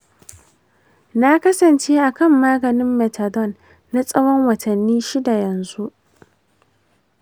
na kasance a kan maganin methadone na tsawon watanni shida yanzu.